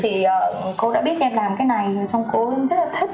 thì à cô đã biết em làm cái này xong cô rất là thích